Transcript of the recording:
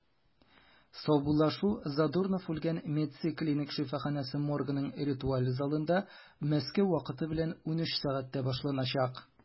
Саубуллашу Задорнов үлгән “МЕДСИ” клиник шифаханәсе моргының ритуаль залында 13:00 (мск) башланачак.